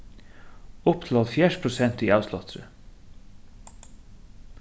upp til hálvfjerðs prosent í avsláttri